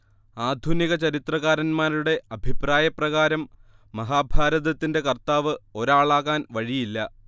ആധുനിക ചരിത്രകാരന്മാരുടെ അഭിപ്രായപ്രകാരം മഹാഭാരതത്തിന്റെ കർത്താവ് ഒരാളാകാൻ വഴിയില്ല